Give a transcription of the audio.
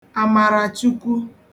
àmàràchukwu